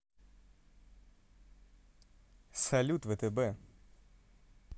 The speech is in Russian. салют втб